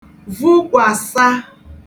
vukwàsa